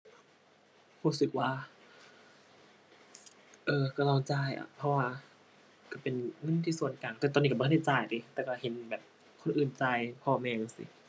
รู้สึกว่า เออ รู้ต้องจ่ายอะ เพราะว่ารู้เป็นเงินที่ส่วนกลางแต่ตอนนี้รู้บ่ทันได้จ่ายเดะ แต่รู้เห็นแบบคนอื่นจ่าย พ่อแม่จั่งซี้